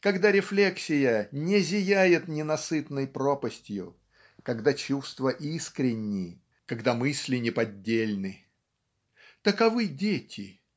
когда рефлексия не зияет ненасытной пропастью когда чувства искренни когда мысли неподдельны. Таковы дети.